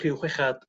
criw chwechad...